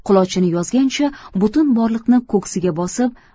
qulochini yozgancha butun borliqni ko'ksiga bosib